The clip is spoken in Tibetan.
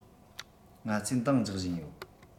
ང ཚོས འདང རྒྱག བཞིན ཡོད